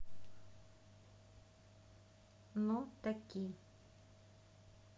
но таки